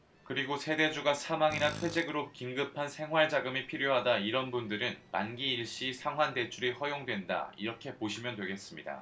그리고 세대주가 사망이나 퇴직으로 긴급한 생활자금이 필요하다 이런 분들은 만기 일시 상환대출이 허용된다 이렇게 보시면 되겠습니다